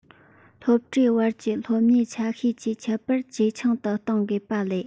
སློབ གྲྭའི བར གྱི སློབ གཉེར ཆ རྐྱེན གྱིས ཁྱད པར ཇེ ཆུང དུ གཏོང དགོས པ ལས